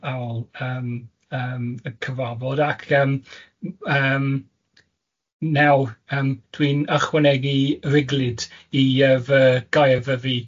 ar ôl yym yym y cyfarfod, ac yym m- yym, nawr yym, dwi'n ychwanegu riglyd i yy fy gair fy fi.